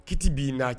Kiti b'i